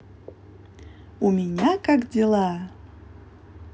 у меня как дела